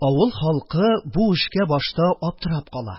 Авыл халкы бу эшкә башта аптырап кала: